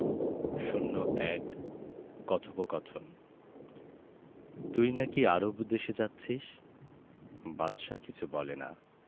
০১ কথোপকথন তুই নাকি আরব দেশে যাচ্ছিস বাদশা কিছু বলে না